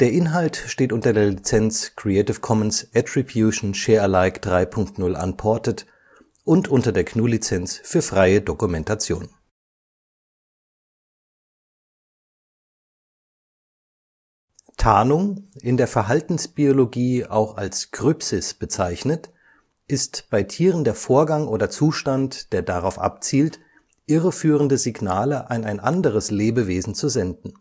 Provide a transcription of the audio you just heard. Inhalt steht unter der Lizenz Creative Commons Attribution Share Alike 3 Punkt 0 Unported und unter der GNU Lizenz für freie Dokumentation. Der Nachtfalter Colostygia aqueata auf hellem Carbonatgestein am Großen Buchstein in den Ostalpen Achateule auf Laubblatt Tarnung, in der Verhaltensbiologie auch als Krypsis bezeichnet, ist bei Tieren der Vorgang oder Zustand, der darauf abzielt, irreführende Signale an ein anderes Lebewesen zu senden